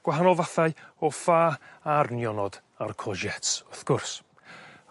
gwahanol fathau o ffa a'r nionod a'r courgettes w'th gwrs.